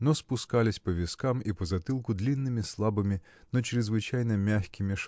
но спускались по вискам и по затылку длинными слабыми но чрезвычайно мягкими